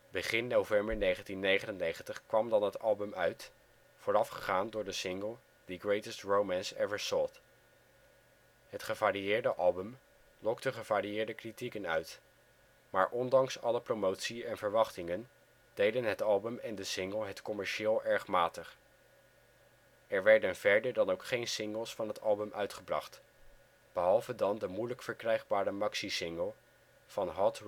Begin november 1999 kwam dan het album uit, voorafgegaan door de single The Greatest Romance Ever Sold. Het gevarieerde album lokte gevarieerde kritieken uit, maar ondanks alle promotie en verwachtingen deden het album en de single het commercieel erg matig. Er werden verder dan ook geen singles van het album uitgebracht, behalve dan de moeilijk verkrijgbare maxisingle van Hot